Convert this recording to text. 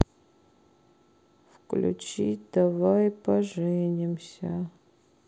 включить давай поженимся